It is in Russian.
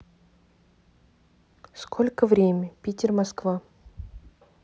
сколько время питер москва